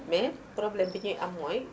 mais problème bi ñuy am mooy